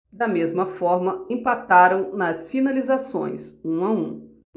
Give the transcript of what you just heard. da mesma forma empataram nas finalizações um a um